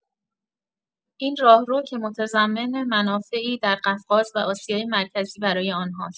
این راهرو که متضمن منافعی در قفقاز و آسیای مرکزی برای آنهاست.